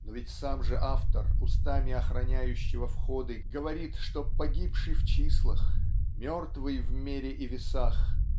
но ведь сам же автор устами охраняющего входы говорит что погибший в числах мертвый в мере и весах